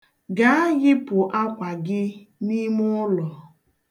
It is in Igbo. Gaa yipụ akwa gị n'ime ụlọ.